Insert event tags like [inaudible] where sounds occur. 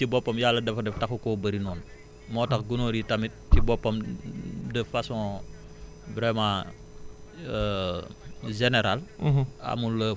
[hesitation] ren dugub bi ci boppam yàlla dafa def taxu koo bëri noonu moo tax gunóor yi tamit ci boppam [hesitation] de façon vraiment [hesitation] générale